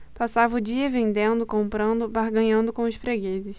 passava o dia vendendo comprando barganhando com os fregueses